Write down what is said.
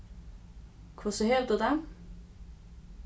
hvussu hevur tú tað